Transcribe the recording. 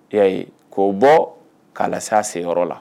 Y'a ko' bɔ kalanya senyɔrɔ la